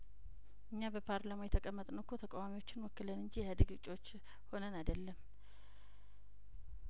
እኛ በፓርላማው የተቀ መጥነው እኮ ተቃዋሚዎችን ወክለን እንጂ የኢህአዴግ እጩዎች ሆነን አደለም